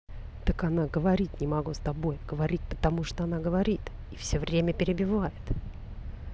так она говорить не могу с тобой говорить потому что она говорит и все время перебивает